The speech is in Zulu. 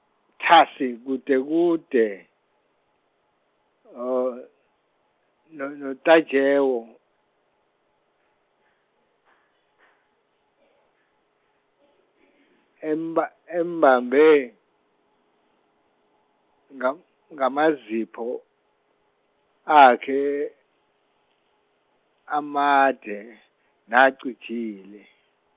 thasi kudekude no- noTajewo, emba- embambe ngam- ngamazipho akhe, amade nacijile.